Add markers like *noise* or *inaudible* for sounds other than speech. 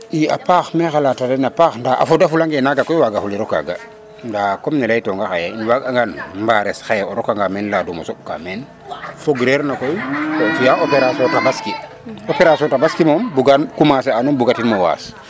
i a paax maxey xalata tena paax nda a foda fula nge naga koy waga fuliro kaga *noise* nda comme ne ley tonga xaye im waag angan mbares xaye o roka nga meen ladum o soɓ ka meen fog reer na koy *crosstalk* fiya opération tabaski *noise* opération tabaski mom bugam commencer anum bugati numo waas